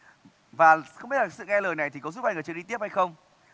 và không biết là sự nghe lời này thì có giúp hai người chơi đi tiếp hay không